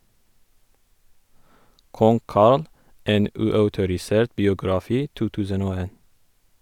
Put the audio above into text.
"Kong Carl, en uautorisert biografi", 2001.